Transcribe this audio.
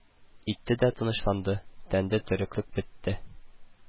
Итте дә тынычланды, тәндә тереклек бетте